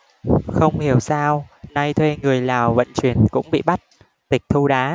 không hiểu sao nay thuê người lào vận chuyển cũng bị bắt tịch thu đá